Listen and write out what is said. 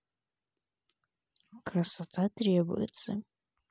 красота требует